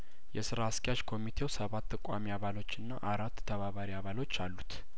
የስራ አስኪያጅ ኮሚቴው ሰባት ቋሚ አባሎችና አራት ተባባሪ አባሎች አሉት